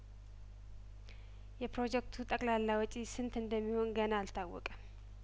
የፕሮጀክቱ ጠቅላላ ወጪ ስንት እንደሚሆን ገና አልታወቀም